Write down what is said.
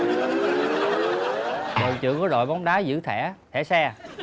đội trưởng của đội bóng đá giữ thẻ thẻ xe